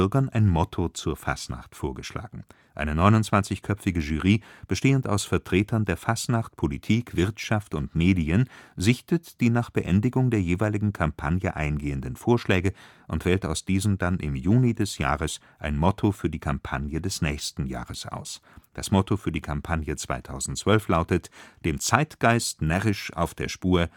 Bürgern ein Motto zur Fastnacht vorgeschlagen. Eine 29-köpfige Jury, bestehend aus Vertretern der Fastnacht, Politik, Wirtschaft und Medien, sichtet die nach Beendigung der jeweiligen Kampagne eingehenden Vorschläge und wählt aus diesen dann im Juni des Jahres ein Motto für die Kampagne des nächsten Jahres aus. Das Motto für die Kampagne 2012 lautet: „ Dem Zeitgeist närrisch auf der Spur